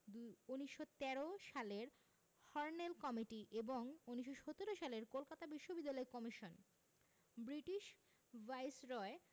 দু ১৯১৩ সালের Hornell committee এবং ১৯১৭ সালের কলকাতা বিশ্ববিদ্যালয় কমিশন ব্রিটিশ ভাইসরয়